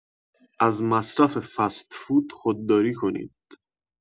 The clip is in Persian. از مصرف فست‌فود خودداری کنید.